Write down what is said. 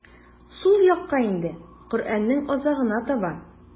Сул якка инде, Коръәннең азагына таба.